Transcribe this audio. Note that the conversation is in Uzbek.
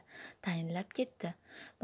tayinlab ketdi